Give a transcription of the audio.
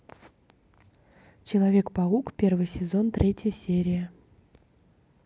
человек паук первый сезон третья серия